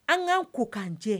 An ŋ'an ko k'an jɛ